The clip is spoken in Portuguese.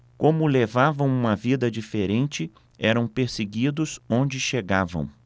como levavam uma vida diferente eram perseguidos onde chegavam